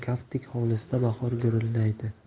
kaftdek hovlisida bahor gurullaydi